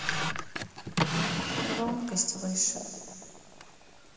громкость выше